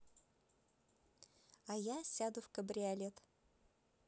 а я сяду в кабриолет